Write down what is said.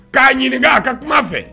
K'a ɲini a ka kuma fɛ